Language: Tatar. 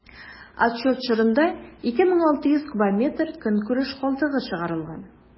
Отчет чорында 2600 кубометр көнкүреш калдыгы чыгарылган.